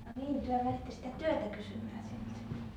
no niin te menitte sitä työtä kysymään siitä